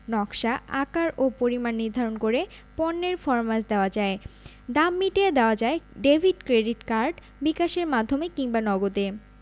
নকশা আকার ও পরিমাণ নির্ধারণ করে পণ্যের ফরমাশ দেওয়া যায় দাম মিটিয়ে দেওয়া যায় ডেভিড ক্রেডিট কার্ড বিকাশের মাধ্যমে কিংবা নগদে